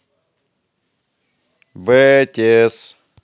б е т е з